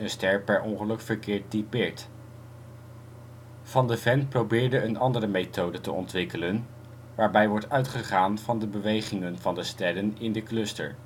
ster per ongeluk verkeerd typeert. Van de Ven probeerde een andere methode te ontwikkelen, waarbij wordt uitgegaan van de bewegingen van de sterren in de cluster